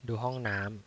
ดูห้องน้ำ